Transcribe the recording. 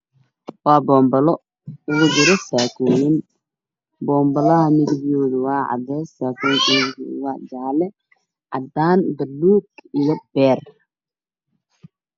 Waa boonbalo ugu jiro saakooyin boonbalaha midabyahoodu waa cadees saakooyinka midabyahoodu waa jaalle caddaan baluug iyo beer